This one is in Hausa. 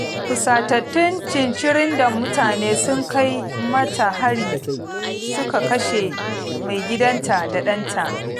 Fusatattun cincirindon mutane sun kai mata hari suka kashe maigidanta da ɗanta.